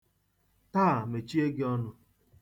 Taa!, mechie gị ọnụ.